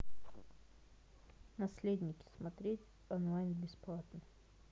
наследники смотреть онлайн бесплатно